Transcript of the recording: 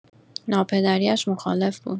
ناپدری‌اش مخالف بود.